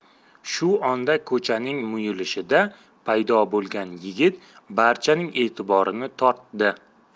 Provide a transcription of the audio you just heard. shu onda ko'chaning muyulishida paydo bo'lgan yigit barchaning e'tiborini tortdi